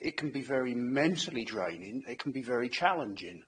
it can be very mentally draining it can be very challenging.